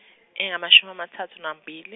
engamashumi amathathu nambili.